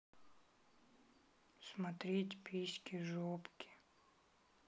смотреть письки жопки